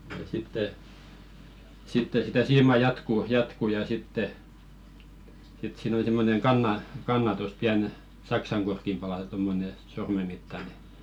ja sitten sitten sitä siimaa jatkuu jatkuu ja sitten sitten siinä on semmoinen - kannatus pieni saksankorkin palanen tuommoinen sormen mittainen